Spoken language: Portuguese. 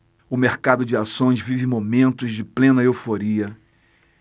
o mercado de ações vive momentos de plena euforia